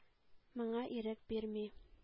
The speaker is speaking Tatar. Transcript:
Моңа ирек бирми.